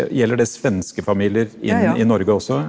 gjelder det svenske familier i i Norge også?